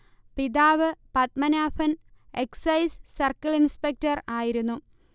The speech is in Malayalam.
പിതാവ് പത്മനാഭൻ എക്സൈസ് സർക്കിൾ ഇൻസ്പെക്ടർ ആയിരുന്നു